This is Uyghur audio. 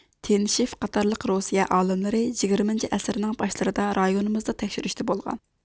تىنىشېف قاتارلىق روسىيە ئالىملىرى يىگىرمىنچى ئەسىرنىڭ باشلىرىدا رايونىمىزدا تەكشۈرۈشتە بولغان